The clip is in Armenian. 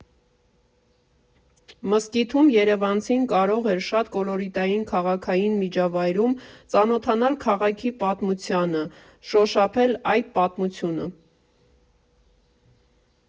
Մզկիթում երևանցին կարող էր շատ կոլորիտային քաղաքային միջավայրում ծանոթանալ քաղաքի պատմությանը, շոշափել այդ պատմությունը։